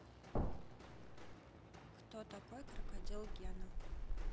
кто такой крокодил гена